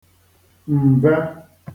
m̀ve